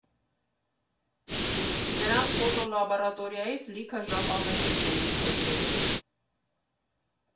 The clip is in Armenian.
Նրանց ֆոտոլաբորատորիայից լիքը ժապավեններ էինք փրկել։